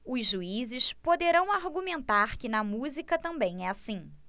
os juízes poderão argumentar que na música também é assim